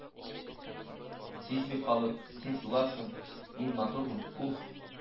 Сизми калып, син суларсың: Мин матурмын, уф